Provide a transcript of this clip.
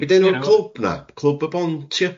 Be' 'di enw'r clwb 'na? Clwb y Bont, ia?